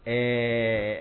Ɛɛ